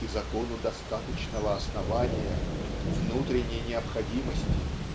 и закону достаточного основания, внутренней необходимости.